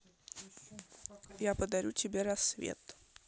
я подарю тебе рассвет